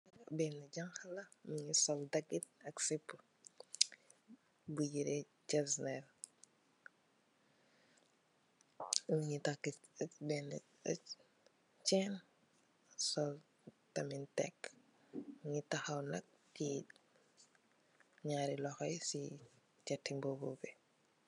Benne janxale, mingi sol dagit ak sipu, bu yire jasineer, mingi tekk benne ceen, sol tamit teg, mu taxaw nak tiye nyaari loxo yi si cat ti mbubu bi,